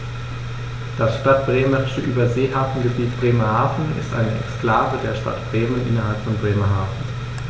Das Stadtbremische Überseehafengebiet Bremerhaven ist eine Exklave der Stadt Bremen innerhalb von Bremerhaven.